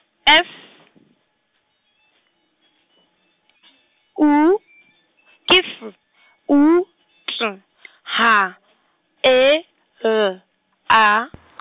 F , U, ke F, U, T , H, E, L, A .